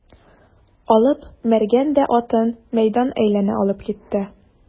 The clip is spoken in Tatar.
Алып Мәргән дә атын мәйдан әйләнә алып китте.